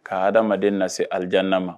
Ka adamaden lase alijana ma.